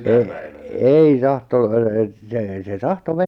- ei -- se se tahtoi -